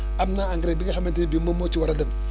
am naa engrais bi nga xamante ne bii moom moo ci war a dem